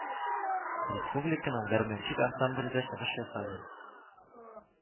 Республиканың Бәрмәнчек ансамбле дә чыгыш ясады